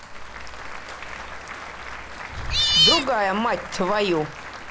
другая мать твою